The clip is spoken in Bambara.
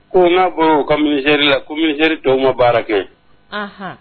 Ko n'a baro u kami h la ko mi h dɔw ma baara kɛ